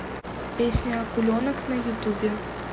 песенка акуленок на ютубе